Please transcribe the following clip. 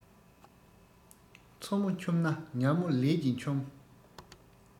མཚོ མོ འཁྱོམས ན ཉ མོ ལས ཀྱིས འཁྱོམ